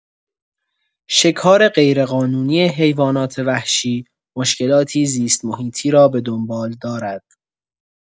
شکار غیرقانونی حیوانات وحشی مشکلاتی زیست‌محیطی را به دنبال دارد.